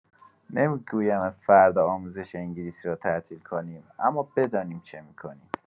نمی‌گویم از فردا آموزش انگلیسی را تعطیل کنیم، اما بدانیم چه می‌کنیم.